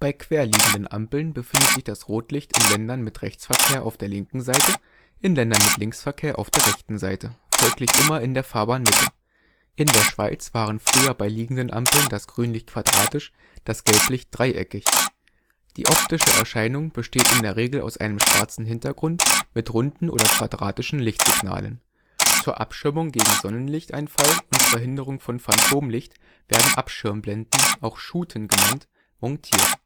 quer liegenden Ampeln befindet sich das Rotlicht in Ländern mit Rechtsverkehr auf der linken Seite, in Ländern mit Linksverkehr auf der rechten Seite, folglich immer in der Fahrbahnmitte. In der Schweiz war früher bei liegenden Ampeln das Grünlicht quadratisch, das Gelblicht dreieckig. Die optische Erscheinung besteht in der Regel aus einem schwarzen Hintergrund mit runden oder quadratischen Lichtsignalen. Zur Abschirmung gegen Sonnenlichteinfall und Verhinderung von Phantomlicht werden Abschirmblenden, auch Schuten genannt, montiert